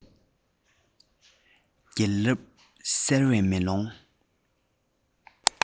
རྒྱལ རབས གསལ བའི མེ ལོང